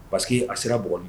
Parce que a sera b